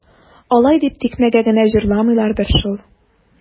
Алай дип тикмәгә генә җырламыйлардыр шул.